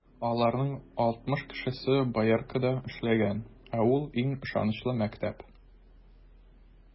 Аларның алтмыш кешесе Бояркада эшләгән, ә ул - иң ышанычлы мәктәп.